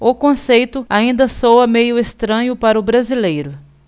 o conceito ainda soa meio estranho para o brasileiro